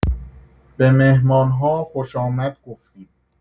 به مهمان‌ها خوش‌آمد گفتیم.